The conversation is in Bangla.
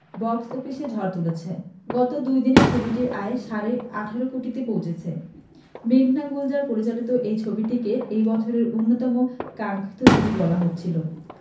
বক্স অফিসে ঝড় তুলেছে গত দুই দিনে ছবিটির আয় সাড়ে ১৮ কোটিতে পৌঁছেছে মেঘনা গুলজার পরিচালিত এই ছবিটিকে এই বছরের অন্যতম আকাঙ্খিত ছবি বলা হচ্ছিল